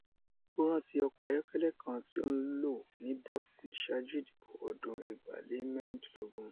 O ranti ọkọ ayọkẹlẹ kan ti o nlo ni Boston ṣaaju idibo ọdun 2016.